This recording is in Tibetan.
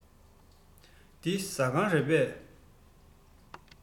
འདི ཟ ཁང རེད པས